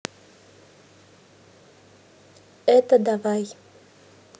это давай